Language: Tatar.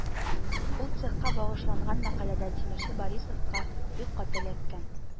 Ул цехка багышланган мәкаләдә тимерче Борисовка бик каты эләккән